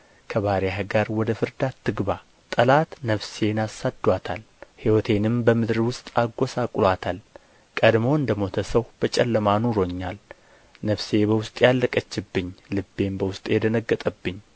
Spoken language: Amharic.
ከባሪያህ ጋር ወደ ፍርድ አትግባ ጠላትህ ነፍሴን አሳድዶአታል ሕይወቴንም በምድር ውስጥ አጐስቍሎአታል ቀድሞ እንደ ሞተ ሰው በጨለማ አኑሮኛል ነፍሴ በውስጤ አለቀችብኝ ልቤም በውስጤ ደነገጠብኝ